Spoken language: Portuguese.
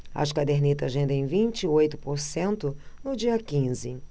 as cadernetas rendem vinte e oito por cento no dia quinze